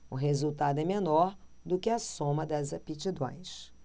o resultado é menor do que a soma das aptidões